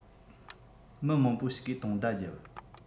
མི མང པོ ཞིག གིས དུང བརྡ བརྒྱབ